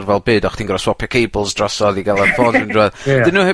ryfel byd a chdi'n gor'o' swapio cebls drosodd i gael on'd yw e? Ie. 'Dyn nw heb